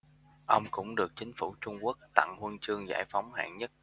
ông cũng được chính phủ trung quốc tặng huân chương giải phóng hạng nhất